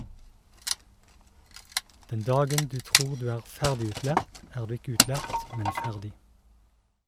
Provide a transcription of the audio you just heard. Den dagen du tror du er ferdigutlært er du ikke utlært, men ferdig.